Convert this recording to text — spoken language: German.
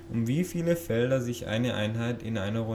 wie viele Felder sich eine Einheit in einer